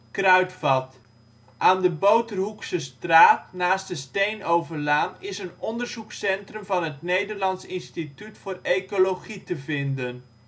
Kruidvat). Aan de Boterhoeksestraat naast de Steenovenlaan is een onderzoekscentrum van het Nederlands Instituut voor Ecologie te vinden